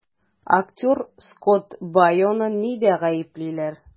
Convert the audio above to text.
Актер Скотт Байоны нидә гаеплиләр?